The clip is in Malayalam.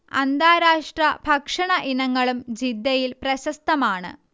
അന്താരാഷ്ട്ര ഭക്ഷണ ഇനങ്ങളും ജിദ്ദയിൽ പ്രശസ്തമാണ്